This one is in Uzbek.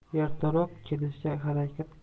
ertaroq kelishga harakat